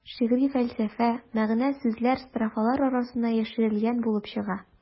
Шигъри фәлсәфә, мәгънә-сүзләр строфалар арасына яшерелгән булып чыга.